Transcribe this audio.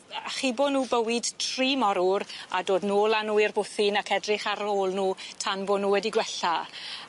yy achubon nw bywyd tri morwr a dod nôl â nw i'r bwthyn ac edrych ar yr ôl nw tan bo' nw wedi gwella.